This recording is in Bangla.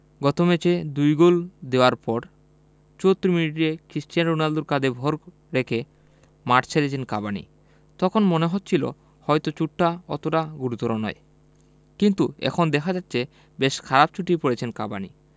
গত ম্যাচে দুই গোল দেওয়ার পর ৭৪ মিনিটে কিস্টিয়ানো রোনালদোর কাঁধে ভর রেখে মাঠ ছেড়েছেন কাভানি তখন মনে হচ্ছিল হয়তো চোটটা অতটা গুরুতর নয় কিন্তু এখন দেখা যাচ্ছে বেশ খারাপ চোটেই পড়েছেন কাভানি